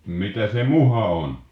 mitä se muha on